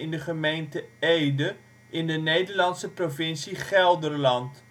de gemeente Ede in de Nederlandse provincie Gelderland